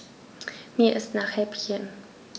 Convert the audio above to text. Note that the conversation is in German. Mir ist nach Häppchen.